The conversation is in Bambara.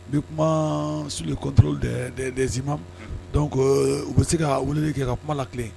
Bɛ kuma su kɔt deima dɔnku ko u bɛ se ka wele de kɛ ka kuma la tile